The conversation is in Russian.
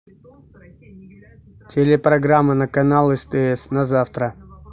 телепрограмма на канал стс на завтра